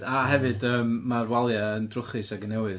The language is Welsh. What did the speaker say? A hefyd yym mae'r waliau yn drwchus ac yn newydd.